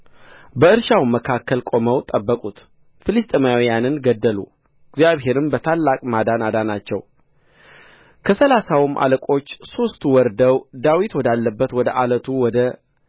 በእርሻውም መካከል ቆመው ጠበቁት ፍልስጥኤማውያንንም ገደሉ እግዚአብሔርም በታላቅ ማዳን አዳናቸው ከሠላሳውም አለቆች ሦስቱ ወርደው ዳዊት ወዳለበት ወደ ዓለቱ ወደ